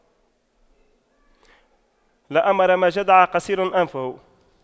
لأمر ما جدع قصير أنفه